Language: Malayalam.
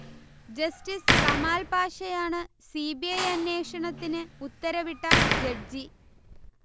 ജസ്റ്റിസ് കമാൽ പാഷയാണ് സിബിഐ അന്വേഷണത്തിന് ഉത്തരവിട്ട ജഡ്ജി